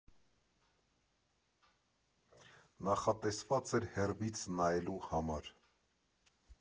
Նախատեսված էր հեռվից նայելու համար։